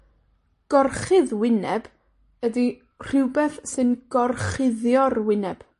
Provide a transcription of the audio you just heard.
Gorchudd wyneb ydi rhwbeth sy'n gorchuddio'r wyneb.